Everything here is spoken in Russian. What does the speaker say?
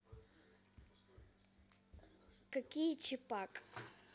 какие чипак